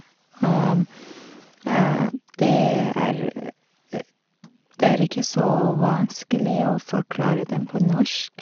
det er Det er ikke så vanskelig å forklare dem på norsk.